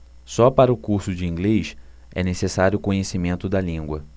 só para o curso de inglês é necessário conhecimento da língua